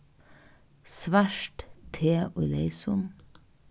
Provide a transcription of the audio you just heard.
svart te í leysum